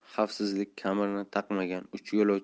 xavfsizlik kamarini taqmagan uch yo'lovchi